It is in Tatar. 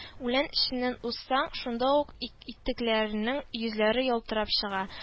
Үлән эченнән узсаң, шунда ук итекләрнең йөзләре ялтырап чыга